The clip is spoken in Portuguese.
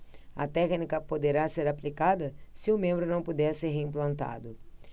a técnica poderá ser aplicada se o membro não puder ser reimplantado